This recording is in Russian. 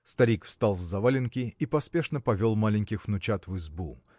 Старик встал с завалинки и поспешно повел маленьких внучат в избу